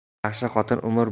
yaxshi xotin umr boli